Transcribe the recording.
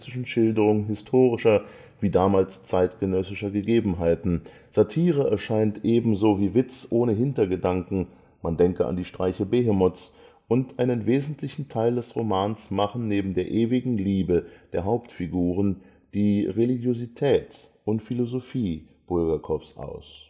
Schilderung historischer wie damals zeitgenössischer Gegebenheiten, Satire erscheint ebenso wie Witz ohne Hintergedanken (man denke an die Streiche Behemoths), und einen wesentlichen Teil des Romans machen neben der ewigen Liebe der Hauptfiguren die Religiosität und Philosophie Bulgakows aus